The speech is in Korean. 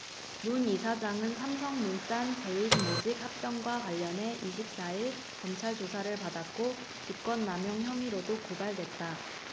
문 이사장은 삼성물산 제일모직 합병과 관련해 이십 사 일 검찰 조사를 받았고 직권남용 혐의로도 고발됐다